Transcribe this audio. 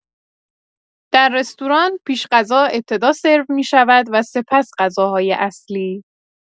در رستوران، پیش‌غذا ابتدا سرو می‌شود و سپس غذاهای اصلی.